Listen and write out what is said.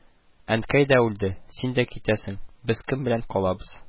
– әнкәй дә үлде, син дә китәсең, без кем белән калабыз